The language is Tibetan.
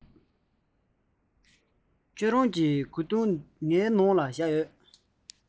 ཁྱེད རང གི གོས ཐུང ངའི ནང ལ བཞག ཡོད